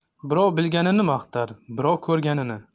birov bilganini maqtar birov ko'rganini